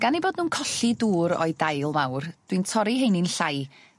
Gan 'u bod nw'n colli dŵr o'i dail fawr dwi'n torri 'heini'n llai